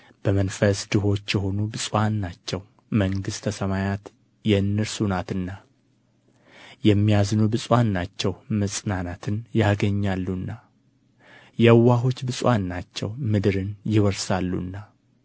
በመንፈስ ድሆች የሆኑ ብፁዓን ናቸው መንግሥተ ሰማያት የእነርሱ ናትና የሚያዝኑ ብፁዓን ናቸው መፅናናትን ያገኛሉና የዋሆች ብፁዓን ናቸው ምድርን ይወርሳሉና